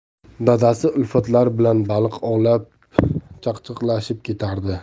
dadasi ulfatlari bilan baliq ovlab chaqchaqlashib ketardi